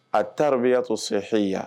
A taara u bɛ y'atɔ sɛ hya